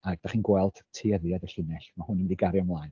a dach chi'n gweld tueddiad y llinell ma' hwn yn mynd i gario ymlaen.